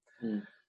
Hmm.